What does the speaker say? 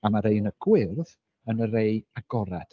A ma'r rai yn y gwyrdd yn y rai agored.